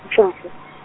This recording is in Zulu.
Mfumfu.